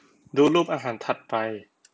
ดูรูปอาหารถัดไป